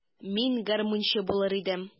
Мин гармунчы булыр идем.